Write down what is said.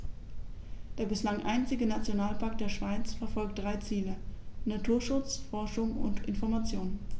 Der bislang einzige Nationalpark der Schweiz verfolgt drei Ziele: Naturschutz, Forschung und Information.